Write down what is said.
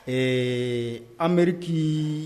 Ɛɛ anmeriti